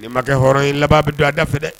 Ne makɛ hɔrɔn in laban bɛ don a da fɛ dɛ